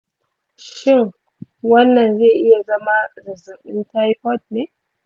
shin wannan zai iya zama zazzabin taifoid ne?